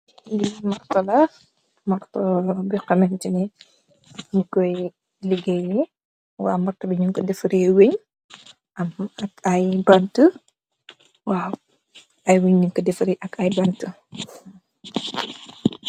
Lii marto la, marto boxamanteni nyu ko ligaye, wa martobi nyu ko dafare weej ak ay bante waw ay weej lanj ko dafare ak ay bante